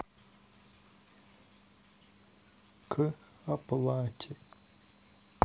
к оплате